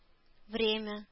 Время